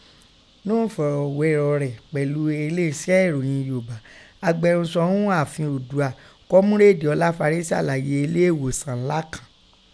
Ńnu ẹ̀fọrọgherọ rẹ̀ pẹ̀lú elé ẹṣẹ́ èròhìn Yoôba, agbẹrunsọ un aafin Oodua, Kọmureedi Ọlafare salaye eleeghosan nla kàn.